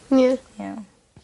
Ie. Ie.